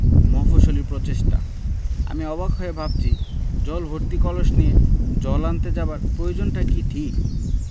মফস্বলী প্রচেষ্টা আমি অবাক হয়ে ভাবছি জল ভর্তি কলস নিয়ে জল আনতে যাবার প্রয়োজনটি কি ঠিক